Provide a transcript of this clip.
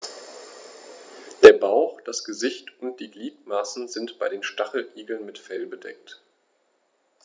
Der Bauch, das Gesicht und die Gliedmaßen sind bei den Stacheligeln mit Fell bedeckt.